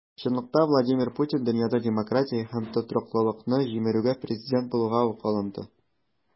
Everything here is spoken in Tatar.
Чынлыкта Владимир Путин дөньяда демократия һәм тотрыклылыкны җимерүгә президент булуга ук алынды.